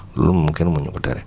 loolu moom kenn mënu ñu ko tere